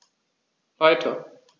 Weiter.